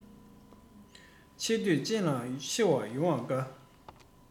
རང ལ ལགས ལགས ལུགས ལུགས མང ཉུང དགོས